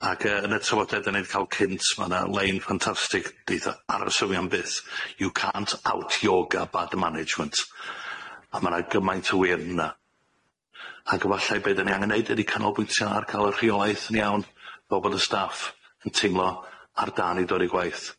Ag yy yn y trafodaeth 'dyn ni'n ca'l cynt ma' 'na lein ffantastig, deutha aros o fi am byth you can't out yoga bad management, a ma' 'na gymaint o wir yn 'wna, ag efallai be' da ni angen neud ydi canolbwyntio ar ca'l y rheolaeth yn iawn fel bod y staff yn teimlo ar dân i dod i gwaith.